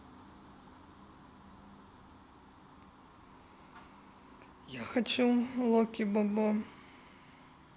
я хочу локи бобо